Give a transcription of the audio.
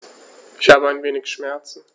Ich habe ein wenig Schmerzen.